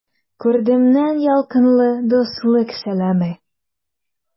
Күрдемнән ялкынлы дуслык сәламе!